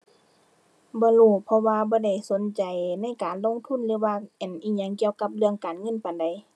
บ่รู้ เพราะว่าบ่ได้สนใจในการลงทุนหรือว่าอันอิหยังเกี่ยวกับเรื่องการเงินปานใด